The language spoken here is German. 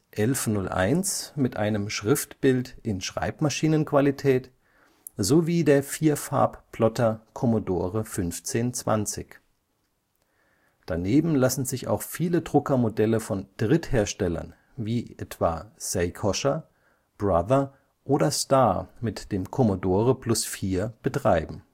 1101 mit einem Schriftbild in Schreibmaschinenqualität sowie der Vierfarbplotter Commodore 1520. Daneben lassen sich auch viele Druckermodelle von Drittherstellern wie etwa Seikosha, Brother oder Star mit dem Commodore Plus/4 betreiben